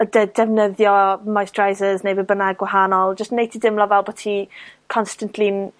Y de- defnyddio moisturisers neu be' bynnag gwahanol, jyst wneu di deimlo fel bo' ti constantly m-